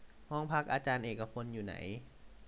ห้องอาจารย์เอกพลอยู่ไหน